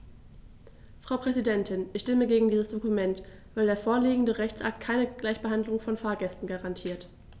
Frau Präsidentin, ich stimme gegen dieses Dokument, weil der vorliegende Rechtsakt keine Gleichbehandlung von Fahrgästen garantiert.